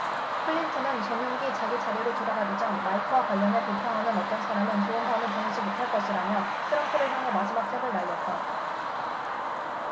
클린턴은 전용기 자기 자리로 돌아가기 전 마이크와 관련해 불평하는 어떤 사람은 좋은 밤을 보내지 못할 것이라며 트럼프를 향해 마지막 잽을 날렸다